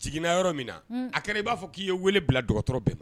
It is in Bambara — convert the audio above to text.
Jiginna yɔrɔ min na a kɛra i ba fɔ ki ye wele bila docteurs bɛɛ ma.